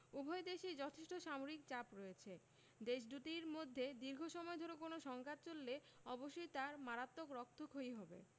উভয় দেশেই যথেষ্ট সামরিক চাপ রয়েছে দেশ দুটির মধ্যে দীর্ঘ সময় ধরে কোনো সংঘাত চললে অবশ্যই তা মারাত্মক রক্তক্ষয়ী হবে